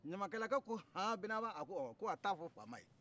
ɲamakalakɛ ko han binaba a ko ɔwɔ ko wa ta'a fɔ faama ye